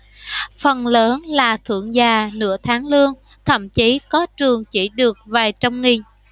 phần lớn là thưởng già nửa tháng lương thậm chí có trường chỉ được vài trăm nghìn